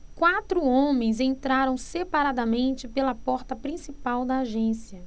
quatro homens entraram separadamente pela porta principal da agência